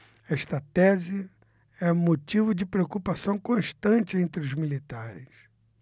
esta tese é motivo de preocupação constante entre os militares